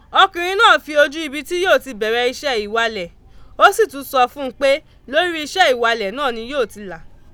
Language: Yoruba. Ọkùnrin náà fi ojú ibi tí yóò ti bẹ̀rẹ̀ ìwalẹ̀, ó sì tún sọ fún un pé lórí iṣẹ́ ìwalẹ̀ náà ni yóò ti là.